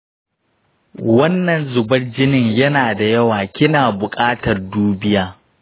wannan zuban jinin yana da yawa, kina buƙatan dubiya